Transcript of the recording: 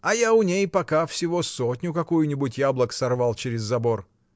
А я у ней пока всего сотню какую-нибудь яблок сорвал через забор!